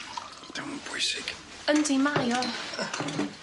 'Di o'm yn bwysig. Yndi mae o.